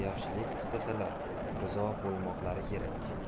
yaxshilik istasalar rizo bo'lmoqlari kerak